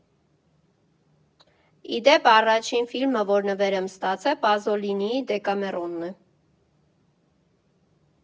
Ի դեպ, առաջին ֆիլմը, որ նվեր եմ ստացել, Պազոլինիի «Դեկամերոնն» է։